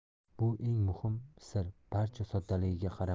bu eng muhim sir barcha soddaligiga qaramay